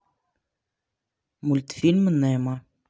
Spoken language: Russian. мультфильм немо